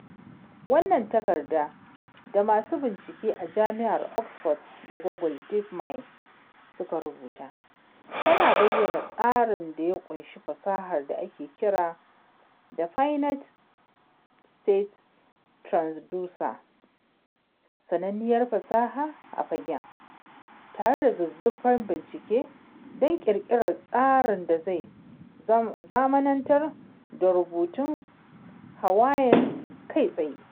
Wannan takarda, da masu bincike a Jami’ar Oxford da Google Deep Mind suka rubuta, tana bayyana tsarin da ya ƙunshi fasahar da ake kira da “finite state transducers,” sananniyar fasaha a fagen, tare da zuzzurfan bincike don ƙirƙirar tsarin da zai zamanantar da rubutun Hawaiian kai tsaye.